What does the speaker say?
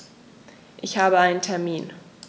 Ich habe einen Termin.